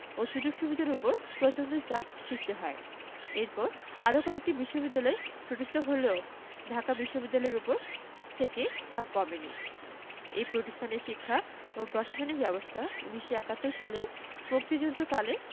ও সুযোগ সুবিধার ওপর প্রচন্ড চাপ সৃষ্টি হয় এরপর আরও কয়েকটি বিশ্ববিদ্যালয় প্রতিষ্ঠিত হলেও ঢাকা বিশ্ববিদ্যালয়ের ওপর থেকে চাপ কমেনি এ প্রতিষ্ঠানের শিক্ষা ও প্রশাসনিক ব্যবস্থা ১৯৭১ সালের মুক্তিযুদ্ধকালে